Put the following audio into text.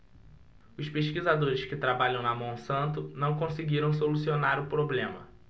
os pesquisadores que trabalham na monsanto não conseguiram solucionar o problema